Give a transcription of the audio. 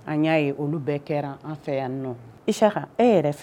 An ya bɛɛ an fɛ yan e yɛrɛ